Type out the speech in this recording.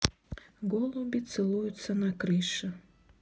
голуби целуются на крыше